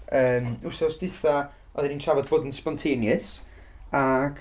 Yym, wythnos diwetha, oedden ni'n trafod bod yn spontaneous ac...